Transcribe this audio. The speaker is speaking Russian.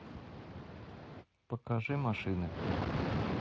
покажи машины